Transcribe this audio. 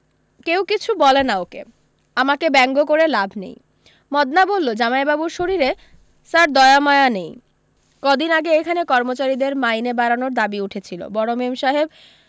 কেউ কিছু বলে না ওকে আমাকে ব্যঙ্গ করে লাভ নেই মদনা বললো জমাইবাবুর শরীরে স্যার দয়ামায়া নেই কদিন আগে এখানে কর্মচারীদের মাইনে বাড়ানোর দাবি উঠেছিল বড় মেমসাহেব